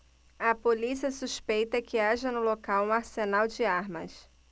a polícia suspeita que haja no local um arsenal de armas